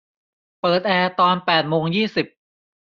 เปิดแอร์ตอนแปดโมงยี่สิบ